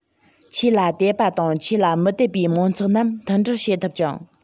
ཆོས ལ དད པ དང ཆོས ལ མི དད པའི མང ཚོགས རྣམས མཐུན སྒྲིལ བྱེད ཐུབ ཅིང